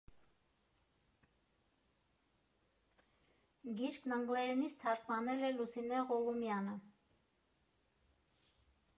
Գիրքն անգլերենից թարգմանել է Լուսինե Ղուլումյանը։